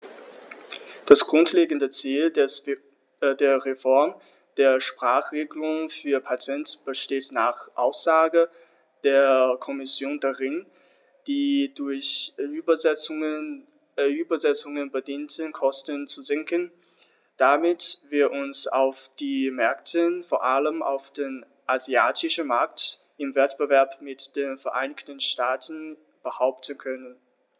Das grundlegende Ziel der Reform der Sprachenregelung für Patente besteht nach Aussage der Kommission darin, die durch Übersetzungen bedingten Kosten zu senken, damit wir uns auf den Märkten, vor allem auf dem asiatischen Markt, im Wettbewerb mit den Vereinigten Staaten behaupten können.